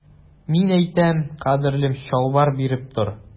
Мин әйтәм, кадерлем, чалбар биреп тор.